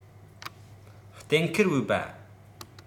གཏན འཁེལ འོས པ